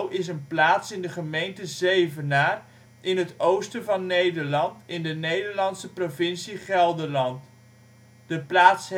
is een plaats in de gemeente Zevenaar in het oosten van Nederland, in de Nederlandse provincie Gelderland. De plaats